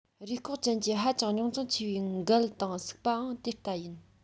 རུས སྐོགས ཅན གྱི ཧ ཅང རྙོག འཛིང ཆེ བའི མགལ དང སུག པའང དེ ལྟ ཡིན